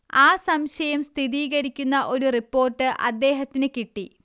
ആ സംശയം സ്ഥിരീകരിക്കുന്ന ഒരു റിപ്പോർട്ട് അദ്ദേഹത്തിന് കിട്ടി